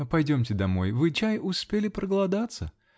Пойдемте домой; вы, чай, успели проголодаться.